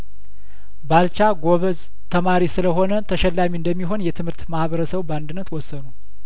ባልቻ ጐበዝ ተማሪ ስለሆነ ተሸላሚ እንደሚሆን የትምህርት ማህበረሰቡ በአንድነት ወሰኑ